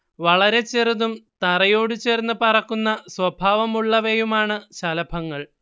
വളരെ ചെറുതും തറയോടു ചേർന്ന് പറക്കുന്ന സ്വഭാവമുള്ളവയുമാണ് ശലഭങ്ങൾ